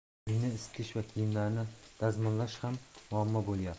uyni isitish va kiyimlarni dazmollash ham muammo bo'lyapti